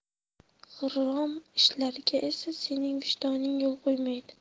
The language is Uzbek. g'irrom ishlarga esa sening vijdoning yo'l qo'ymaydi